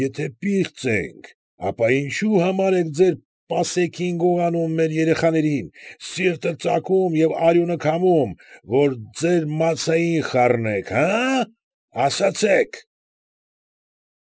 Եթե պիղծ ենք, ապա ինչի՞ համար եք ձեր պասեքին գողանում մեր երեխաներին, սիրտը ծակում և արյունը քամում, որ ձեր «մացա»֊ին խառնեք, աա՞, ասացե՛ք։